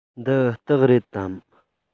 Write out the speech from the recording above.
འདི སྟག རེད དམ